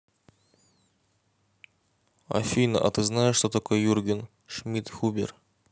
афина а ты знаешь кто такой юрген шмидхубер